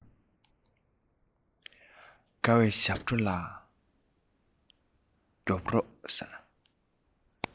དགའ བའི ཞབས བྲོ འོ ལ རྒྱོབས ཤོག